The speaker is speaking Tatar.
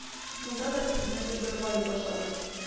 Монда да сүзне өлгер Гали башлады: